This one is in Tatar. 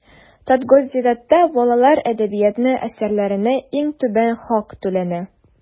Татгосиздатта балалар әдәбияты әсәрләренә иң түбән хак түләнә.